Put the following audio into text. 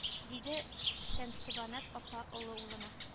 Диде шәмсебанат апа олы улына